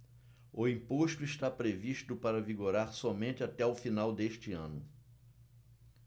o imposto está previsto para vigorar somente até o final deste ano